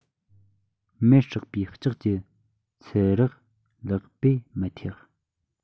མེར བསྲེགས པའི ལྕགས ཀྱི ཚི རེག ལག པས མི ཐེག